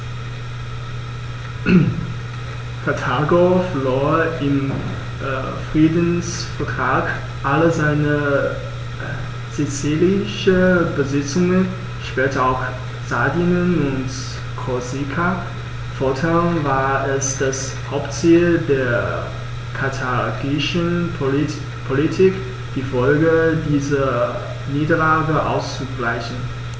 Karthago verlor im Friedensvertrag alle seine sizilischen Besitzungen (später auch Sardinien und Korsika); fortan war es das Hauptziel der karthagischen Politik, die Folgen dieser Niederlage auszugleichen.